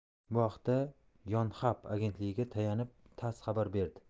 bu haqda yonhap agentligiga tayanib tass xabar berdi